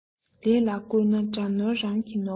ལས ལ བཀོད ན དགྲ ནོར རང གི ནོར